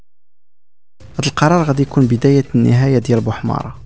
القرار قد يكون بدايه النهايه يا رب حمار